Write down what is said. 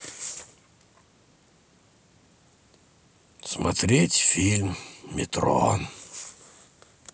смотреть фильм метро